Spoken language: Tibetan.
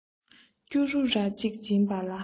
སྐྱུ རུ ར གཅིག བྱིན པ ལ